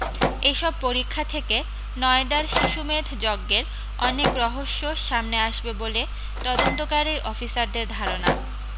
এই সব পরীক্ষা থেকে নয়ডার শিশুমেধ যজ্ঞের অনেক রহস্য সামনে আসবে বলে তদন্তকারী অফিসারদের ধারণা